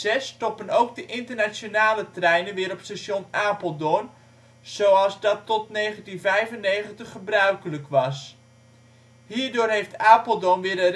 10 december 2006 stoppen ook de internationale treinen weer op station Apeldoorn zoals dat tot 1995 gebruikelijk was. Hierdoor heeft Apeldoorn weer